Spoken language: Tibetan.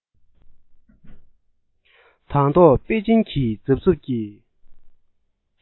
དང ཐོག པེ ཅིན གྱི རྫབ རྫུབ ཀྱི